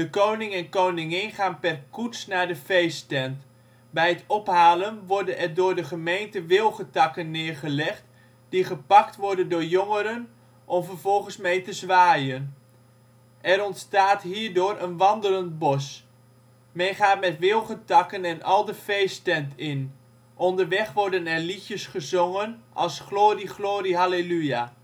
koning en koningin gaan per koets naar de feesttent. Bij het ophalen worden er door de gemeente wilgentakken neergelegd die gepakt worden door jongeren om vervolgens mee te zwaaien. Er ontstaat hierdoor een wandelend bos. Men gaat met wilgentakken en al de feesttent in. Onderweg worden er liedjes gezongen als ' Glorie, glorie, hallelujah